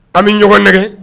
An bɛ ɲɔgɔn nɛgɛ